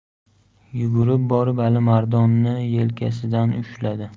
yugurib borib alimardonni yelkasidan ushladi